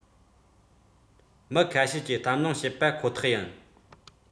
མི ཁ ཤས ཀྱིས གཏམ གླེང བྱེད པ ཁོ ཐག ཡིན